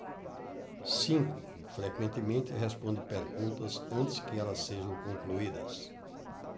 cinco frequentemente responde perguntas antes que elas sejam concluídas